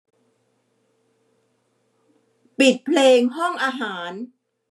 ปิดเพลงห้องอาหาร